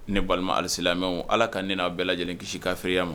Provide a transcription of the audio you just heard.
Ni balima alisi mɛ ala ka n'aw bɛɛ lajɛlen kisi kafiereya ma